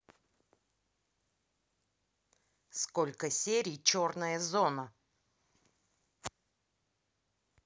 сколько серий черная зона